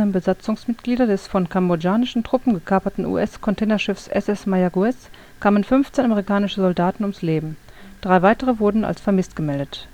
Besatzungsmitglieder des von kambodschanischen Truppen gekaperten US-Containerschiffs SS Mayaguez kamen 15 amerikanische Soldaten ums Leben, drei weitere wurden als vermisst gemeldet